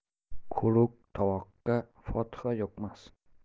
quruq tovoqqa fotiha yuqmas